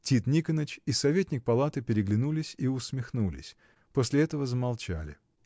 Тит Никоныч и советник палаты переглянулись и усмехнулись. После этого замолчали.